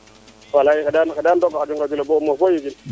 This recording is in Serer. walay xenda rooga xaƴong radio le bo o moof bo yegin